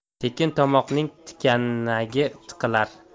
tekin tomoqning tikanagi tiqilar